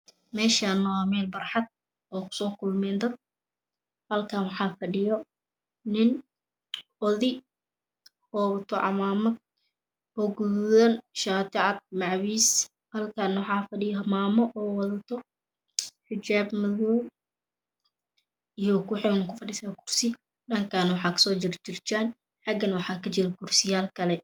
Meeshan waa meel barxad oo kusoo kulmeen dad halkan waxaa fadhiyo nin oday oo wato camaamad oo gaduudan shaati cad macawiis halkan waxaa fadhiyo maamo oo wadato xijab madow iyo waxayna Ku fadhisaa kursi dhankana waxa kasoo jira darjiin xaggana Ka jiro kursiyal kale